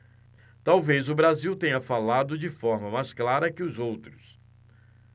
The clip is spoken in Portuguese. talvez o brasil tenha falado de forma mais clara que os outros